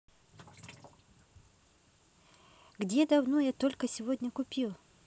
где давно я только сегодня купил